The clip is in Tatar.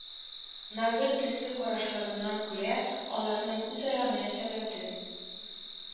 На бертөсле карашларыннан күрә, аларның үзара мөнәсәбәтен